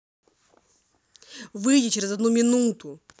выйди через одну минуту